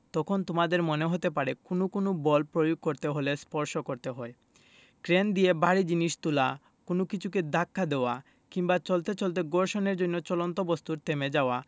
তখন তোমাদের মনে হতে পারে কোনো কোনো বল প্রয়োগ করতে হলে স্পর্শ করতে হয় ক্রেন দিয়ে ভারী জিনিস তোলা কোনো কিছুকে ধাক্কা দেওয়া কিংবা চলতে চলতে ঘর্ষণের জন্য চলন্ত বস্তুর থেমে যাওয়া